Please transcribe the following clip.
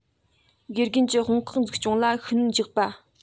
དགེ རྒན གྱི དཔུང ཁག འཛུགས སྐྱོང ལ ཤུགས སྣོན རྒྱག པ